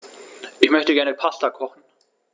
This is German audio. Ich möchte gerne Pasta kochen.